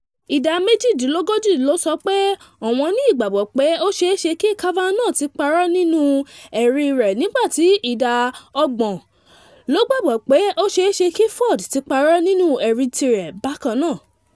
Ìdá méjìdínlógójì ló sọ pé àwọn ní ìgbàgbọ́ pé ó ṣeéṣe kí Kavanaugh ti parọ́ nínú ẹ̀rí rẹ̀ nígbà tí ìdá ọgbọ̀n ló gbàgbọ́ pé ó ṣeéṣe kí Ford ti parọ́ nínú ẹ̀rí tirẹ̀ bákan náà.